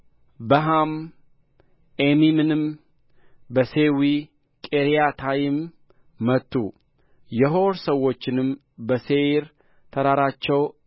በሃም ኤሚምንም በሴዊ ቂርያታይም መቱ የሖር ሰዎችንም በሴይር ተራራቸው